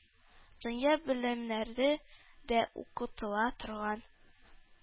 Дөнья белемнәре дә укытыла торган